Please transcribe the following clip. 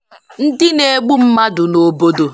Ndị na-egbu mmadụ n'obodo